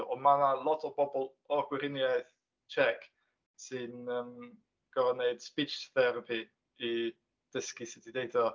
Ond mae 'na lot o bobl o'r Gweriniaeth Tsiec sy'n yym gorod neud speech therapy i ddysgu sut i deud o.